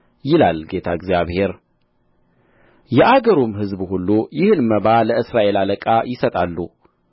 ይላል ጌታ እግዚአብሔር የአገሩም ሕዝብ ሁሉ ይህን መባ ለእስራኤል አለቃ ይሰጣሉ